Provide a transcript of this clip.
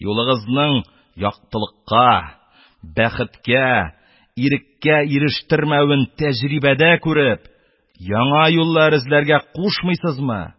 Юлыгызның яктылыкка, бәхеткә, иреккә ирештермәвен тәҗрибәдә күреп, яңа юллар эзләргә кушмыйсызмы?